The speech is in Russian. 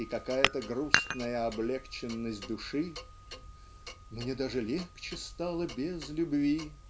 и какая-то грустная облегченность души ("мне даже легче стало без любви")